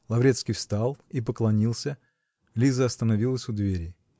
Лаврецкий встал и поклонился; Лиза остановилась у двери.